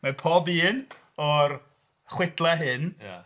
Mae pob un o'r chwedlau hyn... Ie.